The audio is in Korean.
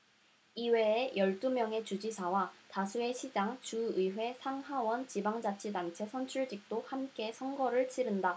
이외에 열 두 명의 주지사와 다수의 시장 주 의회 상 하원 지방자치단체 선출직도 함께 선거를 치른다